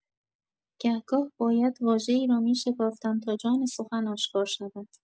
گه‌گاه باید واژه‌ای را می‌شکافتم تا جان سخن آشکار شود.